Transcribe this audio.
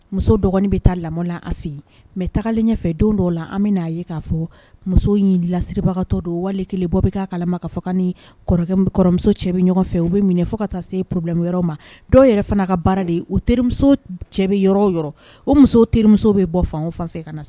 Muso dɔgɔnin bɛ taa lamɔ la a fɛ mɛ tagalen ɲɛfɛ don dɔw la an bɛ'a ye k'a fɔ muso' lasiribagatɔ don wali kelen bɔ bɛa kalama ka fɔ ka ni kɔrɔkɛmuso cɛ bɛ ɲɔgɔn fɛ u bɛ minɛ fo ka taa se pbi yɔrɔ ma dɔw yɛrɛ fana ka baara de ye o terimuso cɛ bɛ yɔrɔ o musow terimuso bɛ bɔ fan fan fɛ ka na sa